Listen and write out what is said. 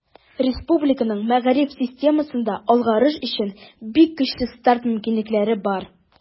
Республиканың мәгариф системасында алгарыш өчен бик көчле старт мөмкинлекләре бар.